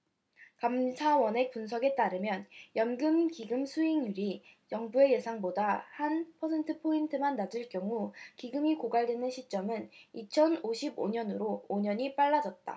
감사원의 분석에 따르면 연금기금수익률이 정부의 예상보다 한 퍼센트포인트만 낮을 경우 기금이 고갈되는 시점은 이천 오십 오 년으로 오 년이 빨라졌다